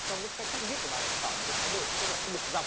trong cái cách cách viết của bà lại tỏ một thái độ cũng có vẻ bực dọc